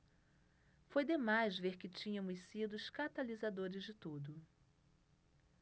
foi demais ver que tínhamos sido os catalisadores de tudo